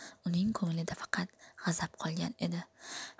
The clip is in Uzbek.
uning ko'nglida faqat g'azab qolgan edi